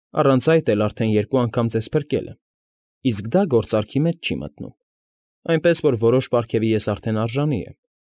Առանց այդ էլ արդեն երկու անգամ ձեզ փրկել եմ, իսկ դա գործարքի մեջ չի մտնում, այնպես որ որոշ պարգևի ես արդեն արժանի եմ։